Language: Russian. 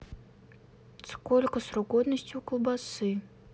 сколько срок годности у колбасы